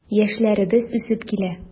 Яшьләребез үсеп килә.